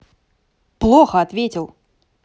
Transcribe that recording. плохо ответил